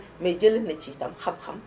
mais jëlee na ci itam xam-xam